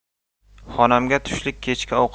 xonamga tushlik kechki